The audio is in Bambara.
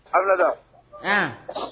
Aminata ann